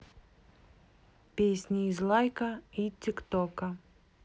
песни из лайка и тик тока